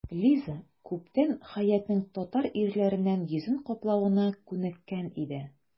Лиза күптәннән Хәятның татар ирләреннән йөзен каплавына күнеккән иде.